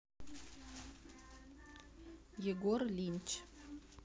егор линч